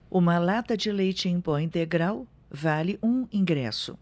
uma lata de leite em pó integral vale um ingresso